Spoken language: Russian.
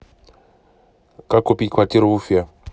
как купить квартиру в уфе